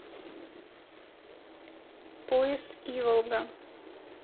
поезд иволга